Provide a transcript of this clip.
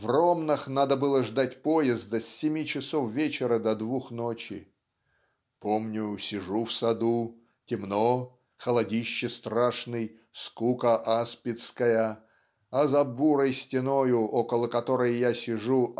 В Ромнах надо было ждать поезда с семи часов вечера до двух ночи. "Помню, сижу в саду темно холодище страшный скука аспидская а за бурой стеною около которой я сижу